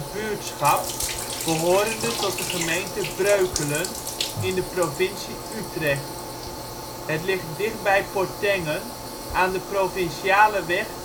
buurtschap behorende tot de gemeente Breukelen in de provincie Utrecht. Het ligt dichtbij Portengen aan de proviciale weg